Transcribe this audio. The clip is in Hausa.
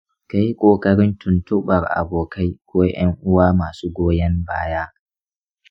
ka yi ƙoƙarin tuntuɓar abokai ko ‘yan uwa masu goyon baya.